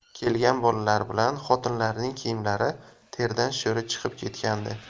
kelgan bolalar bilan xotinlarning kiyimlari terdan sho'ri chiqib ketgandi